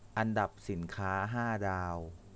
อันดับสินค้าห้าดาว